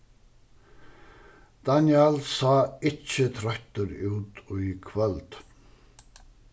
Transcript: dánjal sá ikki troyttur út í kvøld